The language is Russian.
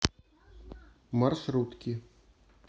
маршрутки